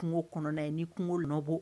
Kungo kɔnɔna ye ni kungo nɔbɔ